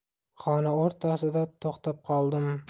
xona o'rtasida to'xtab qoldim